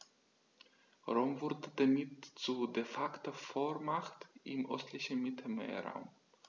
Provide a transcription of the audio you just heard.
Rom wurde damit zur ‚De-Facto-Vormacht‘ im östlichen Mittelmeerraum.